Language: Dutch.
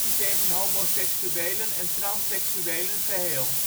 homoseksuelen en transseksuelen geheel